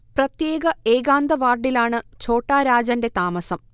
പ്രത്യേക ഏകാന്ത വാർഡിലാണ് ഛോട്ടാ രാജന്റെ താമസം